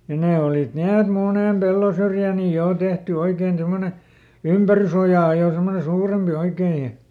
ja ne olivat niin että monen pellonsyrjään niin jo tehty oikein semmoinen ympärysoja jo semmoinen suurempi oikein ja